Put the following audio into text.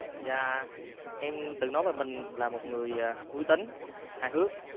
dạ em từng nói về mình là một người vui tính hài hước